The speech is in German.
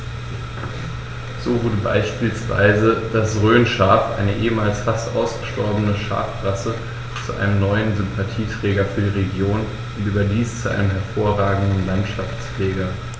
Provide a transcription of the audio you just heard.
So wurde beispielsweise das Rhönschaf, eine ehemals fast ausgestorbene Schafrasse, zu einem neuen Sympathieträger für die Region – und überdies zu einem hervorragenden Landschaftspfleger.